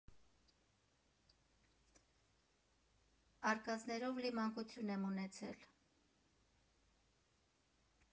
Արկածներով լի մանկություն եմ ունեցել։